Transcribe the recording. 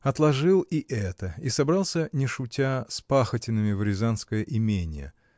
Отложил и это и собрался не шутя с Пахотиными в рязанское имение.